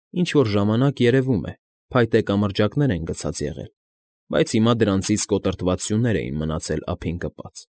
Ինչ֊որ ժամանակ, երևում է, փայտե կամրջակներ են գցած եղել, բայց հիմա դրանցից կոտրտված սյուներ էին մնացել ափին կպած։